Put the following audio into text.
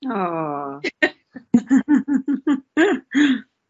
O!